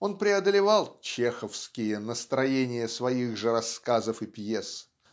Он преодолевал "чеховские" настроения своих же рассказов и пьес